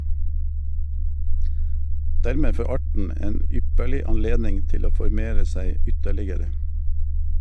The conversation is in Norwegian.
Dermed får arten en ypperlig anledning til å formere seg ytterligere.